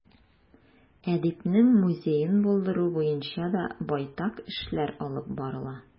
Әдипнең музеен булдыру буенча да байтак эшләр алып барыла.